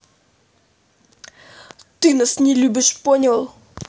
ты нас не любишь понял